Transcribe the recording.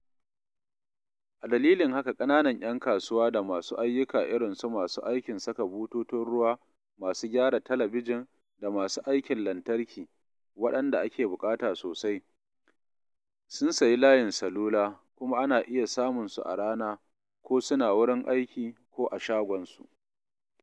A dalilin haka ƙananan 'yan kasuwa da masu ayyuka irin su masu aikin saka bututun ruwa, masu gyara talabijin, da masu aikin lantarki (waɗanda ake buƙata sosai) sun sayi layin salula, kuma ana iya samun su a rana, ko suna wurin aiki ko a shagonsu.